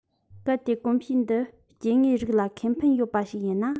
གལ ཏེ གོམས གཤིས འདི སྐྱེ དངོས རིགས ལ ཁེ ཕན ཡོད པ ཞིག ཡིན ན